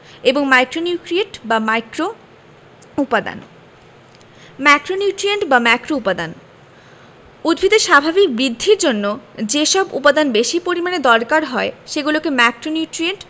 এবং মাইক্রোনিউট্রিয়েন্ট বা মাইক্রোউপাদান ম্যাক্রোনিউট্রিয়েন্ট বা ম্যাক্রোউপাদান উদ্ভিদের স্বাভাবিক বৃদ্ধির জন্য যেসব উপাদান বেশি পরিমাণে দরকার হয় সেগুলোকে ম্যাক্রোনিউট্রিয়েন্ট